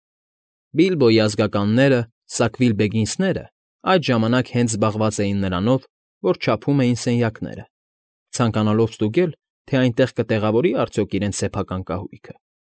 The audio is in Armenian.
Բիլբոյի ազգականները՝ Սակվիլ֊Բեգինսները, այդ ժամանակ հենց զբաղված էին նրանով, որ չափում էին սենյակները, ցանկանալով ստուգել, թե այնտեղ կտեղվորվի՞ արդյոք իրենց սեփական կահույքը։